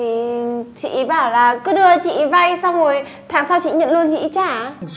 thì chị ý bảo là cứ đưa chị ý vay xong rồi tháng sau chị ý nhận lương chị ý trả